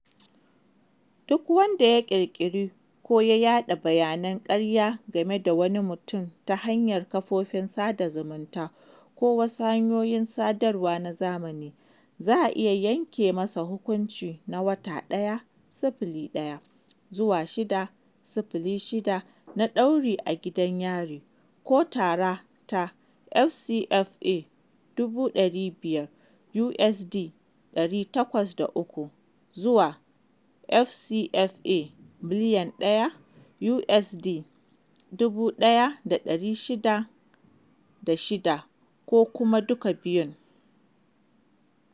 Duk wanda ya ƙirƙiri ko ya yaɗa bayanan ƙarya game da wani mutum ta hanyar kafofin sada zumunta ko wasu hanyoyin sadarwa na zamani, za a iya yanke masa hukunci na wata ɗaya (01) zuwa shida (06) na ɗauri a gidan yari, ko tara ta FCFA 500,000 (USD 803) zuwa FCFA 1,000,000 (USD 1,606), ko kuma duka biyun.